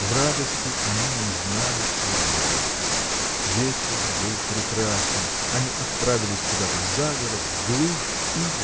В радости они не знали, что делать. Вечер был прекрасный. Они отправились куда-то за город в глушь и